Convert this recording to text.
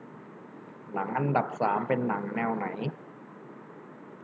หนังอันดับสามเป็นหนังแนวไหน